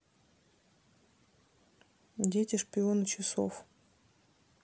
дети шпионы часов